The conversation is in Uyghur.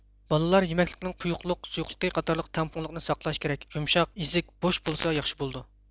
بالىلار يېمەكلىكنىڭ قويۇقلۇق سۇيۇقلۇقى قاتارلىق تەڭپۇڭلۇقىنى ساقلاش كېرەك يۇمشاق ئىزىك بوش بولسا ياخشى بولىدۇ